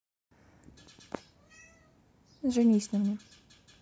женись на мне